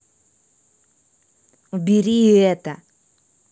убери и это